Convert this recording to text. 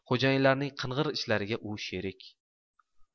xo'jayinlarining qing'ir ishlariga u sherik